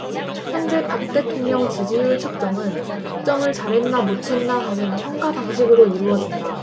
현재 박 대통령 지지율 측정은 국정을 잘했나 못했나 하는 평가 방식으로 이루어진다